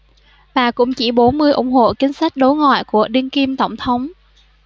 và cũng chỉ bốn mươi ủng hộ chính sách đối ngoại của đương kim tổng thống